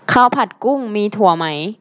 ข้าวผัดกุ้งมีถั่วไหม